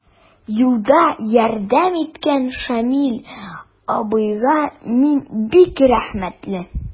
Юлда ярдәм иткән Шамил абыйга мин бик рәхмәтле.